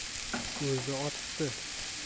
o'zi otdi